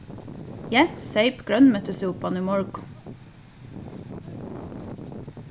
jens seyp grønmetissúpan í morgun